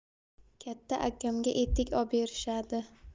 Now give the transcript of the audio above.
katta akamga etik oberishadi